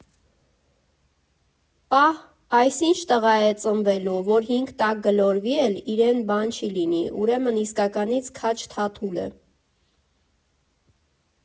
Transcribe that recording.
Պա՜հ, այս ինչ տղա է ծնվելու, որ հինգ տակ գլորվի էլ, իրեն բան չլինի, ուրեմն իսկականից քաջ Թաթուլ է։